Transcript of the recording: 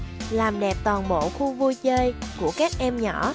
làm đẹp toàn bộ khu vui chơi của các em nhỏ